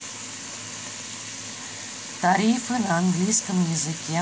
тарифы на английском языке